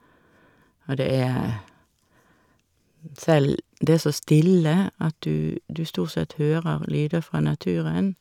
Og det er selv det er så stille at du du stort sett hører lyder fra naturen.